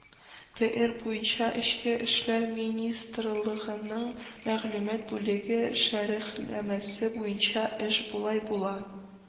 ТР буенча Эчке эшләр министрлыгының мәгълүмат бүлеге шәрехләмәсе буенча, эш болай була